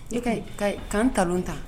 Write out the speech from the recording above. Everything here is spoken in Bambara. E ka ka kan ta ta